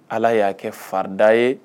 Ala y'a kɛ fada ye